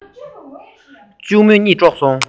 གཅུང མོའི གཉིད དཀྲོགས སོང